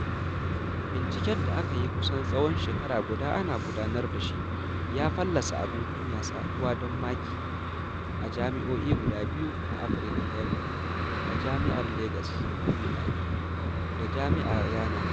Binciken da aka yi kusan tsawon shekara guda ana gudanar da shi ya fallasa abin kunyar "saduwa don maki" a jami'o'i guda biyu a Afirka ta Yamma: Jami'ar Legas (UNILAG) da Jami'ar Gana.